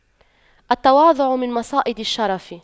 التواضع من مصائد الشرف